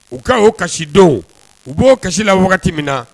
U ka oo kasi don u b'o kasi la wagati min na